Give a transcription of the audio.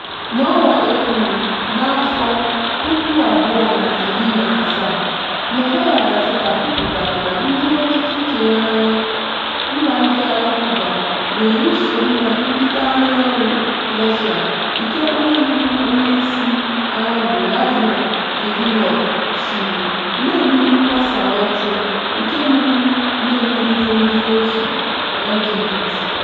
N'ọnwa Eprel n'afọ 2017, Novaya Gazeta Kwupụtara na ndị ọchịchị Chechnya, mba ndị Alakụba nwere nsogbu na ndịdaanyanwụ Russia nke onye bụbu onyeisi agha bụ́ Ramzan Kadyrov chịrị, na-eme mkpọsa ọjọọ nke mmegbu na-emegide ndị òtù LGBT.